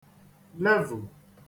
levù